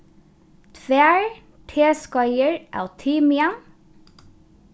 tvær teskeiðir av timian